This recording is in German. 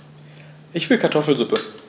Ich will Kartoffelsuppe.